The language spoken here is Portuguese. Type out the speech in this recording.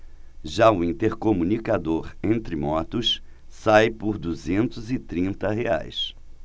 já o intercomunicador entre motos sai por duzentos e trinta reais